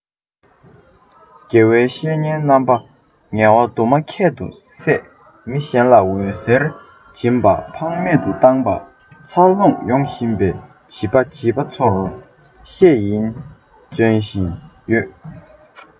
དགེ བའི བཤེས གཉེན རྣམ པ ངལ བ དུ མ ཁྱད དུ བསད མི གཞན ལ འོད ཟེར སྦྱིན པ ཕངས མེད དུ བཏང པ འཚར ལོངས ཡོང བཞིན པའི བྱིས པ བྱིས པ ཚོར ཤེས ཡོན སྦྱིན བཞིན ཡོད